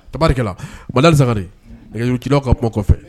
Tabari sari ka kuma kɔfɛ